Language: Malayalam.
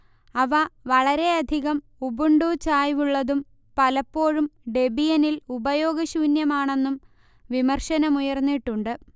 അവ വളരെയധികം ഉബുണ്ടു ചായ്വുള്ളതും പലപ്പോഴും ഡെബിയനിൽ ഉപയോഗശൂന്യമാണെന്നും വിമർശനമുയർന്നിട്ടുണ്ട്